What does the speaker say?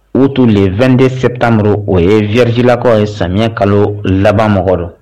O tun le2dsɛ tanro o ye vijlakɔ ye samiyɛ kalo laban mɔgɔ rɔ